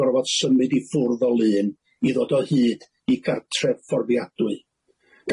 gorfod symud i ffwrdd o Lŷn i ddod o hyd i gartref fforddiadwy.